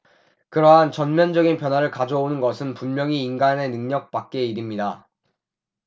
그러한 전면적인 변화를 가져오는 것은 분명히 인간의 능력 밖의 일입니다